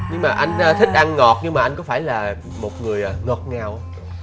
nhưng mà anh thích ăn ngọt nhưng mà anh có phải là một người ngọt ngào không